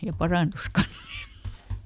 ja parantui kanssa niin -